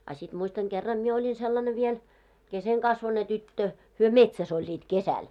a sitten muistan kerran minä olin sellainen vielä kesenkasvuinen tyttö he metsässä olivat kesällä